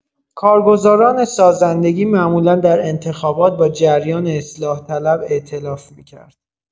کارگزاران سازندگی معمولا در انتخابات با جریان اصلاح‌طلب ائتلاف می‌کرد.